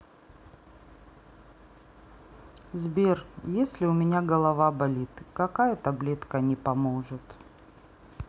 сбер если у меня голова болит какая таблетка не поможет